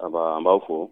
A han ba . N baw fɔ.